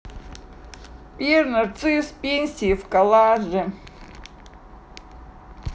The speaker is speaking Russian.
пьер нарцисс пенсии в коллаже